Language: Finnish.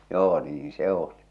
joo niin se oli